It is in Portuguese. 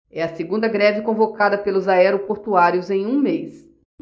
é a segunda greve convocada pelos aeroportuários em um mês